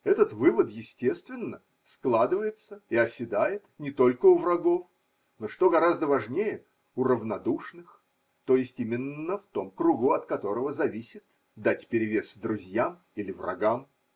Этот вывод естественно складывается и оседает не только у врагов, но, что гораздо важнее, у равнодушных, т.е. именно в том кругу, от которого зависит дать перевес друзьям или врагам.